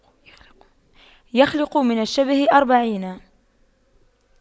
يخلق من الشبه أربعين